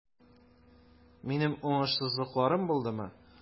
Минем уңышсызлыкларым булдымы?